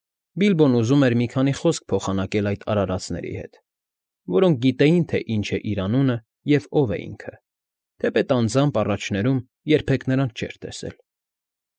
Բիլբոն ուզում էր մի քանի խոսք փոխանակել այդ արարածների հետ, որոնք գիտեին, թե ինչ է իր անունը և ով է ինքը, թեպետ անձամբ առաջներում երբեք նրանց չէր տեսել։